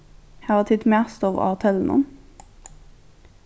hava tit matstovu á hotellinum